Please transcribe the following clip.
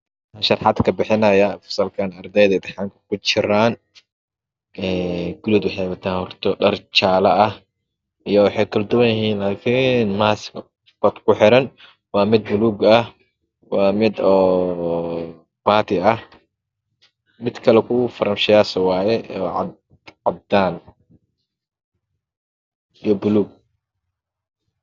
Waxan sharaxaad ka bixinaya fasalkaan ardayda imtixaan ku jiraan een kuligood horta waxey wataan dhar jaale ah iyo waxay kukala duwanyihiin oo keliya mas afka ogu xiran waa mid baluug ah waa mid oo baati ah midka kale kuwa farmashayaasha waaye oo cad cadaan iyo buluug